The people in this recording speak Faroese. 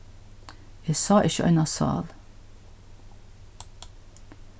eg sá ikki eina sál